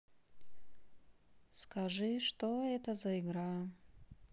скажи что это за игра